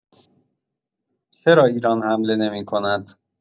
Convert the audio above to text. چرا ایران حمله نمی‌کند!